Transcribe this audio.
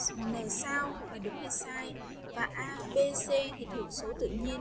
là sao là đúng hay sai bc thì thử số tự nhiên